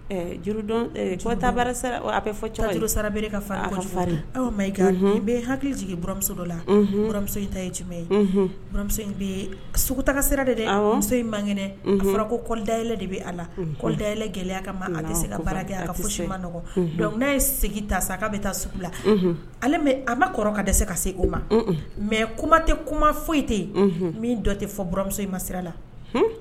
Ta a bɛb ka ma i hakili jiginmuso dɔ lamuso in ta ye jum yemusota sira de dɛ muso in mang fɔra ko kɔday de bɛ a la kɔda yɛlɛ gɛlɛya ka ma alise bara ka furu ma nɔgɔɔgɔ n'a ye segin ta sa' bɛ taa sugu bila ale an ma kɔrɔ ka dɛsɛse ka se o ma mɛ kuma tɛ kuma foyi tɛ yen min dɔ tɛ fɔmuso in ma sira la